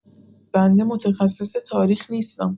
بنده متخصص تاریخ نیستم.